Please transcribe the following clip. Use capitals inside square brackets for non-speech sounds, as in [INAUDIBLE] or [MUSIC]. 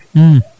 [SMACKS LIPS]